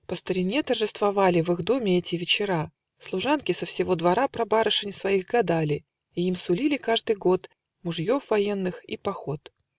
По старине торжествовали В их доме эти вечера: Служанки со всего двора Про барышень своих гадали И им сулили каждый год Мужьев военных и поход.